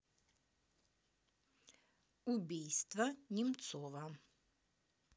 убийство немцова